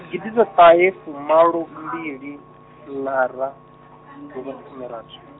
gidiḓaṱahefumalombili ḽara, ḓuvha ḽa fumirathi.